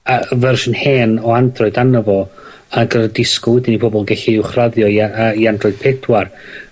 yy y fersiwn hen o Android arno fo a gorod disgwl wedyn i bobol gellu uwchraddio i yy yy i Android pedwar